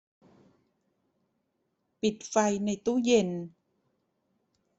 ปิดไฟในตู้เย็น